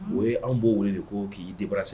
O ye anw b'o weele de ko k'i débaraser